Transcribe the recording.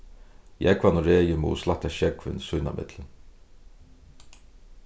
jógvan og regin mugu slætta sjógvin sínámillum